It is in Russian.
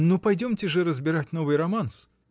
— Ну, пойдемте же разбирать новый романс.